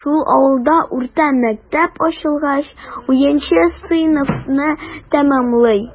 Шул авылда урта мәктәп ачылгач, унынчы сыйныфны тәмамлый.